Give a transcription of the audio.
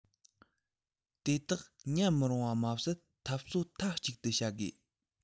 དེ དག ཉན མི རུང བ མ ཟད འཐབ རྩོད མཐའ གཅིག ཏུ བྱ དགོས